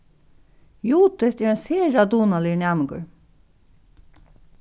judith er ein sera dugnaligur næmingur